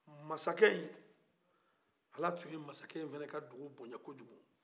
masakɛ in ala tun ye masakɛ in fana ka dugu boɲa kosɛbɛ